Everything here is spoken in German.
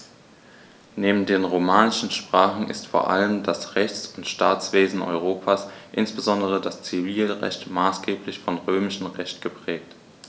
Neben den romanischen Sprachen ist vor allem das Rechts- und Staatswesen Europas, insbesondere das Zivilrecht, maßgeblich vom Römischen Recht geprägt.